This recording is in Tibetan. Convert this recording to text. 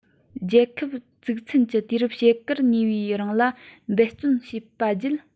རྒྱལ ཁབ བཙུགས ཚུན གྱི དུས རབས ཕྱེད ཀར ཉེ བའི རིང ལ འབད བརྩོན བྱས པ བརྒྱུད